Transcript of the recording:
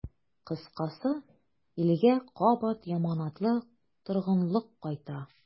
Кыскасы, илгә кабат яманатлы торгынлык кайта.